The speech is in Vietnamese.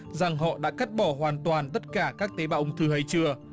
rằng họ đã cắt bỏ hoàn toàn tất cả các tế bào ung thư hay chưa